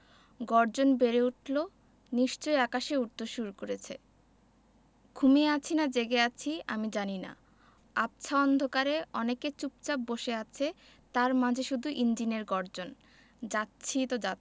গর্জন বেড়ে উঠলো নিশ্চয়ই আকাশে উড়তে শুরু করছে ঘুমিয়ে আছি না জেগে আছি আমি জানি না আবছা অন্ধকারে অনেকে চুপচাপ বসে আছে তার মাঝে শুধু ইঞ্জিনের গর্জন